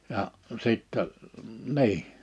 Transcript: ja sitten niin